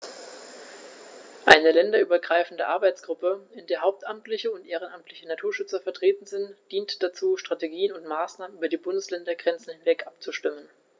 Eine länderübergreifende Arbeitsgruppe, in der hauptamtliche und ehrenamtliche Naturschützer vertreten sind, dient dazu, Strategien und Maßnahmen über die Bundesländergrenzen hinweg abzustimmen.